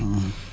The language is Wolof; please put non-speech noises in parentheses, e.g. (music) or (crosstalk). (hesitation) (hesitation)